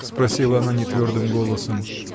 — спросила она нетвердым голосом.